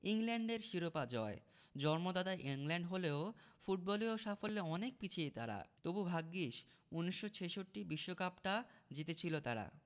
ইংল্যান্ডের শিরোপা জয় জন্মদাতা ইংল্যান্ড হলেও ফুটবলীয় সাফল্যে অনেক পিছিয়ে তারা তবু ভাগ্যিস ১৯৬৬ বিশ্বকাপটা জিতেছিল তারা